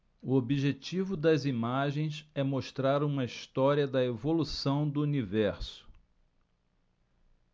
o objetivo das imagens é mostrar uma história da evolução do universo